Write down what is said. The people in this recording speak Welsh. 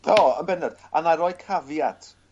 O yn bendant. A 'nai roi caveat.